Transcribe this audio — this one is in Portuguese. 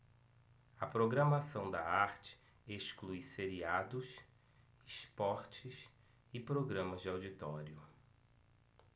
a programação da arte exclui seriados esportes e programas de auditório